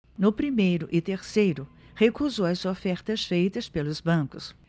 no primeiro e terceiro recusou as ofertas feitas pelos bancos